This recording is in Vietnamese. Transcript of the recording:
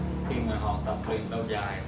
khi họ tập được một quá trình dài